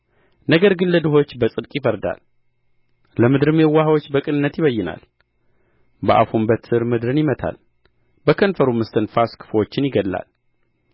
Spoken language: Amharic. ነገር ግን ለድሆች በጽድቅ ይፈርዳል ለምድርም የዋሆች በቅንነት ይበይናል በአፉም በትር ምድርን ይመታል በከንፈሩም እስትንፋስ ክፉዎችን ይገድላል